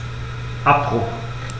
Abbruch.